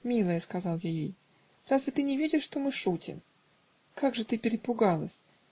"Милая, -- сказал я ей, -- разве ты не видишь, что мы шутим? Как же ты перепугалась!